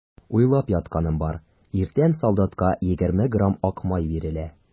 Уйлап ятканым бар: иртән солдатка егерме грамм ак май бирелә.